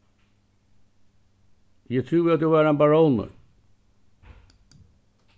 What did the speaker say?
eg trúði at tú var ein barónur